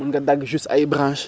mën nga dagg juste ay branches